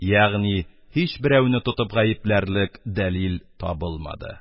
Ягъни һичберәүне тотып гаепләрлек дәлил табылмады.